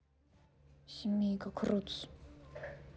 семейка крудс